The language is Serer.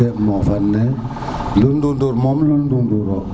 lul ndundur moom lul ndunduro